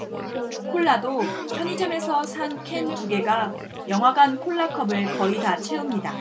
콜라도 편의점에서 산 캔 두 개가 영화관 콜라 컵을 거의 다 채웁니다